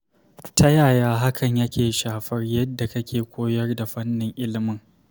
Ta yaya hakan yake shafar yadda kake koyar da fannin ilimin?